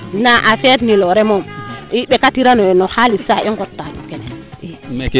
na affaire nuloore moom i mbekatiran oyo no xalisfaa i ngota kene